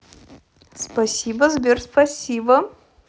спасибо сбер спасибо